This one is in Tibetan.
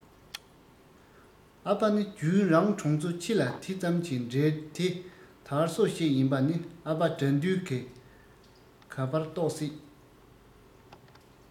ཨ ཕ ནི རྒྱུན རང གྲོང ཚོ ཕྱི ལ དེ ཙམ གྱི འབྲེལ དེ དར སོ ཞིག ཡིན པ ནི ཨ ཕ དགྲ འདུལ གི ག པར རྟོག སྲིད